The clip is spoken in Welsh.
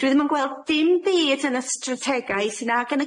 Dwi ddim yn gweld dim byd yn y strategaeth nag yn